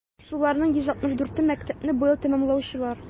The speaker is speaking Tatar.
Шуларның 164е - мәктәпне быел тәмамлаучылар.